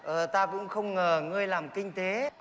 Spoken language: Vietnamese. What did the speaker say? ờ ta cũng không ngờ ngươi làm kinh tế